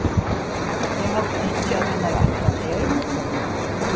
eg haldi ikki at hennara ætlan er